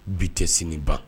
Bi te sini ban.